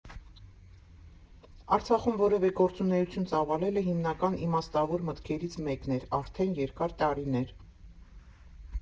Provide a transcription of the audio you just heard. Արցախում որևէ գործունեություն ծավալելը հիմնական իմաստավոր մտքերից մեկն էր արդեն երկար տարիներ։